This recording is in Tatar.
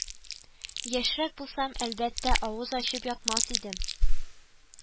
Яшьрәк булсам, әлбәттә, авыз ачып ятмас идем